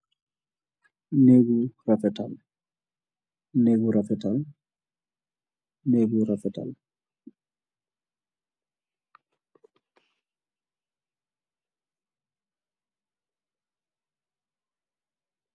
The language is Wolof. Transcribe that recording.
Nëggu rafétal